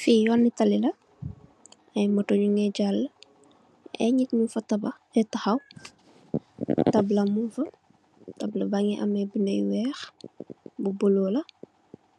Fii yooni talli la, ay "motto" ñu ngee jallë, ay nit ñung fa taxaw, tabla mung fa, tabla bi mu ngi am bindë yu weex, bu bulo la,